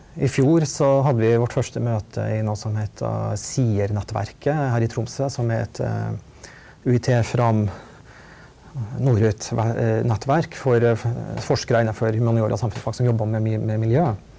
i fjor så hadde vi vårt første møte i noe som heter nettverket her i Tromsø som er et UiT Fram Norut-nettverk for forskere innafor humaniora og samfunnsfag som jobber med med miljø.